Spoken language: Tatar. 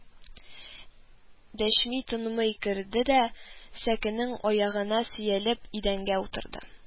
Дәшми-тынмый керде дә, сәкенең аягына сөялеп идәнгә утырды